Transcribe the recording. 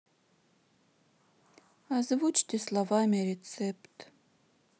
озвучьте словами рецепт